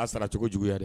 A'a sara cogo jugu ye dɛ